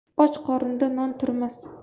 och qorinda non turmas